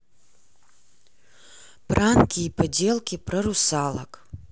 пранки и поделки про русалок